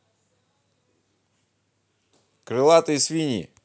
крылатые свиньи